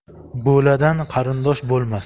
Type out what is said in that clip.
bo'ladan qarindosh bo'lmas